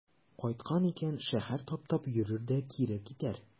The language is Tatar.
Кайткан икән, шәһәр таптап йөрер дә кире китәр.